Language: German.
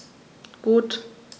Gut.